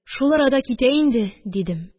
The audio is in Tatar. Шул арада китә инде, – дидем